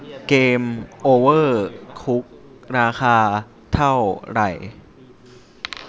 เกมโอเวอร์คุกราคาเท่าไหร่